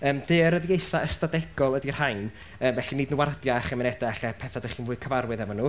yym daearyddiaethau ystadegol ydy'r rhain, yy felly nid wardiau a chymunedau ella pethe dach chi'n fwy cyfarwydd efo nhw.